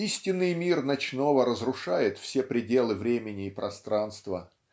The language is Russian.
истинный мир ночного разрушает все пределы времени и пространства.